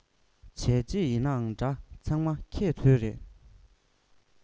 བྱས རྗེས ཡིན ནའང འདྲ ཚང མ ཁྱེད ཚོའི རེད